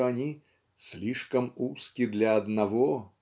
что они "слишком узки для одного"